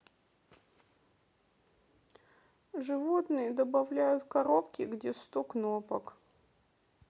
животные добавляют коробки где сто кнопок